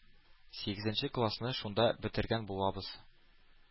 Сигезенче классны шунда бетергән булабыз.